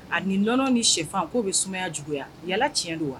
Ani nɔnɔ ni siɛfan k'o bɛ sumaya juguyaya, yala tiɲɛ don wa?